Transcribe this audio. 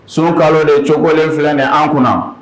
Sun kalo de cogolen filɛ nin an kunna